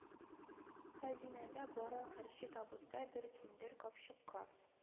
Хәзинәдә барын Хөршит абыстай бер киндер капчыкка